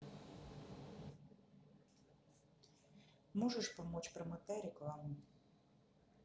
можешь помочь промотай рекламу